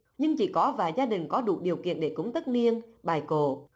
nhưng chỉ có vài gia đình có đủ điều kiệng để cúng tất niêng bài cồ